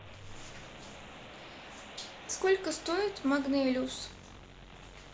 сколько стоит магнелиус